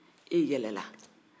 e yɛlɛla